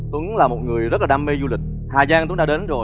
tuấn là một người rất là đam mê du lịch hà giang tuấn đã đến rồi